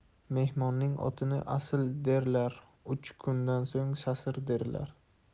mehmonning otini asl derlar uch kundan so'ng sasir derlar